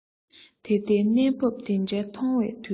ད ལྟའི གནས བབས འདི འདྲ མཐོང བའི དུས